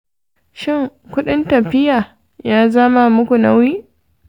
shin kuɗin tafiya ya zama muku nauyi?